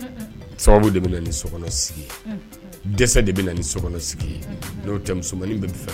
Ni so sigi dɛsɛ de bɛ ni so sigi cɛ musomannin fɛ